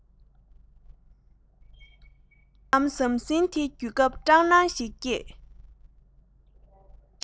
འགྲོ ལམ ཟང ཟིམ དེ རྒྱུད སྐབས སྐྲག སྣང ཞིག བསྐྱེད